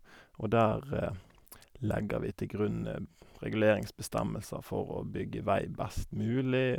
Og der legger vi til grunn reguleringsbestemmelser for å bygge vei best mulig.